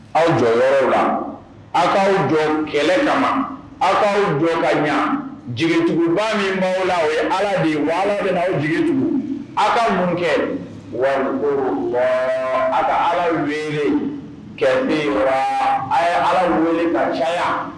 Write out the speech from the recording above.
Aw jɔ yɔrɔ la aw k'aw jɔ kɛlɛ kama aw k'awu dɔn ka ɲɛ jigiuguba min b' la o ye ala bi wa ala bɛ aw jigiugu aw ka mun kɛ wakoro a ka ala wele ka min a ye ala wele ka caya